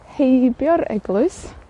heibio'r eglwys,